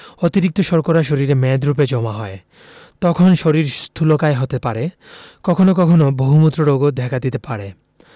অতিরিক্ত শর্করা শরীরে মেদরুপে জমা হয় তখন শরীর স্থুলকায় হতে পারে কখনো কখনো বহুমূত্র রোগও দেখা দিতে পারে